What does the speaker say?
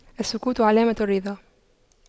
السكوت علامة الرضا